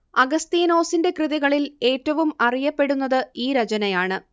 അഗസ്തീനോസിന്റെ കൃതികളിൽ ഏറ്റവും അറിയപ്പെടുന്നത് ഈ രചനയാണ്